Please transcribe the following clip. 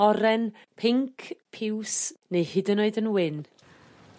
oren pinc, piws neu hyd yn oed yn wyn.